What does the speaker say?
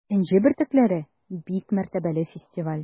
“энҗе бөртекләре” - бик мәртәбәле фестиваль.